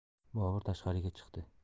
bobur tashqariga chiqdi